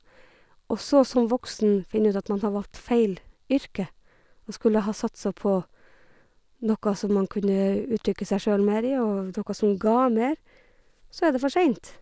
Og så som voksen finne ut at man har valgt feil yrke og skulle ha satsa på noe som man kunne uttrykke seg sjøl mer i og noe som ga mer, så er det for seint.